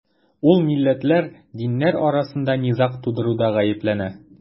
Ул милләтләр, диннәр арасында низаг тудыруда гаепләнә.